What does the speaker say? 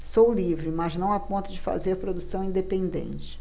sou livre mas não a ponto de fazer produção independente